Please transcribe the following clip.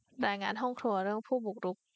รายงานห้องครัวเรื่องผู้บุกรุก